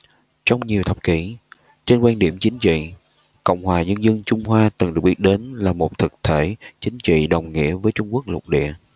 trong nhiều thập kỷ trên quan điểm chính trị cộng hòa nhân dân trung hoa từng được biết đến là một thực thể chính trị đồng nghĩa với trung quốc lục địa